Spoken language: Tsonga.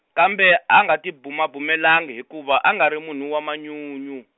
kambe a nga tibumabumelanga hikuva a nga ri munhu wa manyunyu.